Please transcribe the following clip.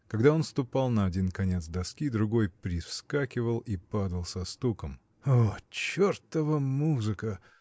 Когда он ступал на один конец доски, другой привскакивал и падал со стуком. — О, чертова музыка!